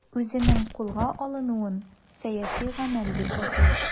Үзенең кулга алынуын сәяси гамәл дип атый.